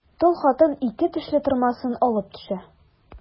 Тол хатын ике тешле тырмасын алып төшә.